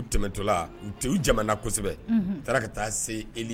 U jamanasɛbɛ u taara ka taa se